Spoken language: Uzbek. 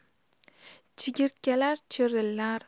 chigirtkalar chirillar